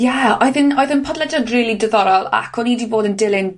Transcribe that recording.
Ia oedd e'n oedd e'n podlediad rili diddorol, ac o'n i 'di fod yn dilyn